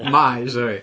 Mae, sori.